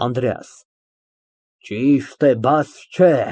ԱՆԴՐԵԱՍ ֊ Ճիշտ է, բաս չէ։